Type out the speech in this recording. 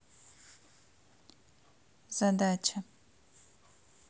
задача